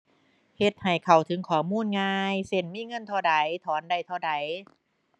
เฮ็ดให้เข้าถึงข้อมูลง่าย เช่น มีเงินเท่าใด ถอนได้เท่าใด